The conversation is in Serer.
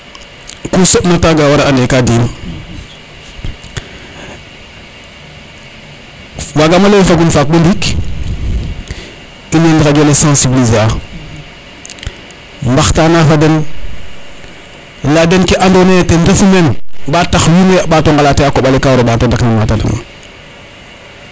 ku soɓna taga a wara ande ka di in wagamo leye fagun faak bo ndiik in way no radio le sensibliser a mbaxtana fa den leya den ke ando naye ten refu men batax wiin we a ɓato ngalate a koɓale ka waro ɓato daknel mate re ina